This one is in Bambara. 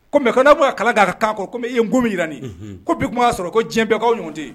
Kɔmi ne b kala d' ka kan kɔ kɔmi e ye n ko min jira nin ko tun y'a sɔrɔ ko diɲɛ bɛɛkawg tɛ yen